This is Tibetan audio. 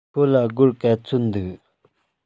ཁོ ལ སྒོར ག ཚོད འདུག